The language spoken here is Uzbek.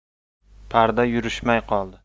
parda yurishmay qoldi